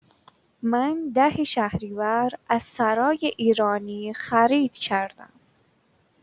من ۱۰ شهریور از سرای ایرانی خرید کردم.